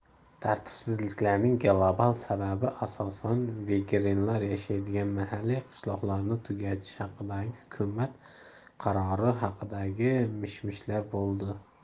tartibsizliklarning global sababi asosan vengerlar yashaydigan mahalliy qishloqlarni tugatish haqidagi hukumat qarori haqidagi mishmishlar bo'ldi